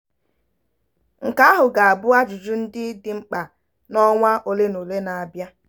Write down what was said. Nke ahụ ga-abụ ajụjụ ndị dị mkpa n'ọnwa olenaole na-abịa.